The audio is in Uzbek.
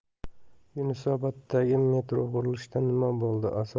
yunusoboddagi metro qurilishida nima bo'ldi